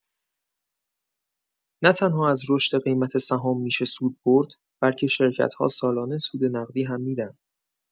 نه‌تنها از رشد قیمت سهام می‌شه سود برد، بلکه شرکت‌ها سالانه سود نقدی هم می‌دن.